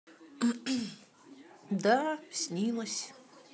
да снилось